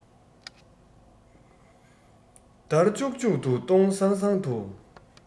འདར ལྕུག ལྕུག ཏུ སྟོང སང སང དུ